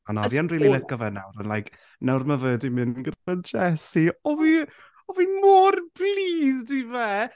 A na, fi yn rili licio fe nawr like nawr mae fe wedi mynd gyda Jessie o fi... o fi mor pleased i fe.